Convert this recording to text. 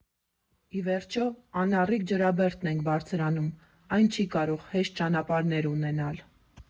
Ի վերջո անառիկ Ջրաբերդն եք բարձրանում, այն չի կարող հեշտ ճանապարհներ ունենալ։